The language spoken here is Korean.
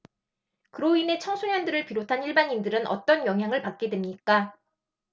그로 인해 청소년들을 비롯한 일반인들은 어떤 영향을 받게 됩니까